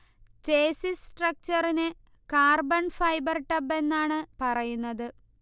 chassis സ്ട്രക്ചറിന് carbon fibre tub എന്നാണ് പറയുന്നത്